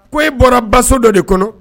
Ko e bɔra basiso dɔ de kɔnɔ